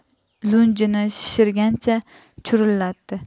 lunjini shishirgancha churillatdi